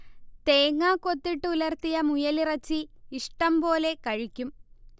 തേങ്ങക്കൊത്തിട്ട് ഉലർത്തിയ മുയലിറച്ചി ഇഷ്ടം പോലെ കഴിക്കും